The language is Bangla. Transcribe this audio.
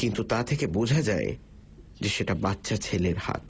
কিন্তু তা থেকেই বোঝা যায় যে সেটা বাচ্চা ছেলের হাত